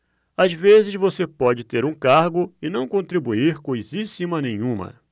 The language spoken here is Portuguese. às vezes você pode ter um cargo e não contribuir coisíssima nenhuma